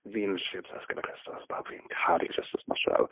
Fi'n literally obsessed gyda crystals. Fi'n caru crystals mas draw.